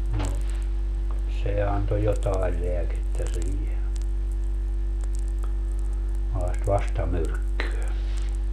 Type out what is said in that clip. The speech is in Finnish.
no se antoi jotakin lääkettä siihen sellaista vastamyrkkyä